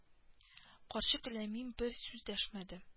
Карчык ләммим бер сүз дәшмәде